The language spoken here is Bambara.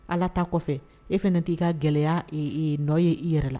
Ala ta kɔfɛ e fɛnɛ t'i ka gɛlɛya e ee nɔ ye i yɛrɛ la